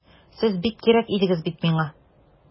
Сез бик кирәк идегез бит миңа!